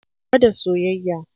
Gwada soyayya."